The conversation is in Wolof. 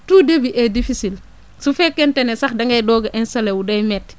tout début est difficile su fekkente ne sax da ngay doog a installé wu day métti